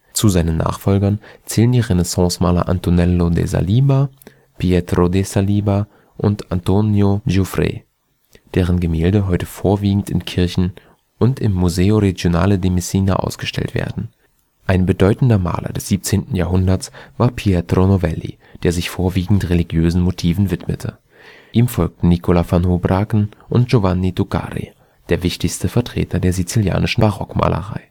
Zu seinen Nachfolgern zählen die Renaissancemaler Antonello de Saliba, Pietro de Saliba und Antonio Giuffrè, deren Gemälde heute vorwiegend in Kirchen und im Museo Regionale di Messina ausgestellt werden. Hier befinden sich die Hauptwerke von Colijn de Coter und Girolamo Alibrandi, dem Raffaello da Messina. Ein bedeutender Maler des 17. Jahrhunderts war Pietro Novelli, der sich vorwiegend religiösen Motiven widmete. Ihm folgten Nicola van Houbraken und Giovanni Tuccari, der wichtigste Vertreter der sizilianischen Barockmalerei